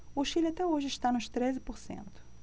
o chile até hoje está nos treze por cento